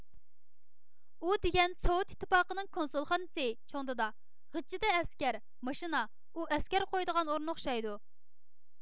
ئۇ دېگەن سوۋېت ئىتتىپاقىنىڭ كونسۇلخانىسى چوڭ دادا غىچچىدە ئەسكەر ماشىنا ئۇ ئەسكەر قويىدىغان ئورۇن ئوخشايدۇ